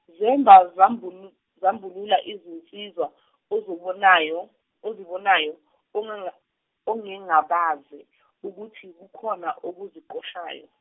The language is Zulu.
zemba zembulu- zembulula izinsizwa ozibonayo ozibonayo onge- engangabazi ukuthi kukhona okuzixoshayo.